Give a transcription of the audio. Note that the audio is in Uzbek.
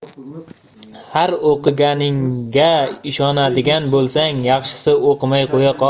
har o'qiganingga ishonadigan bo'lsang yaxshisi o'qimay qo'ya qol